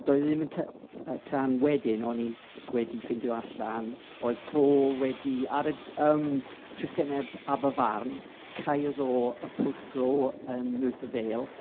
Doedd e ddim yn t- yy tan wedyn o'n i wedi ffeindio allan, oedd fo wedi... ar y yym trychineb Aberfarn, caeodd o y pwll glo yn Merthyr Vale.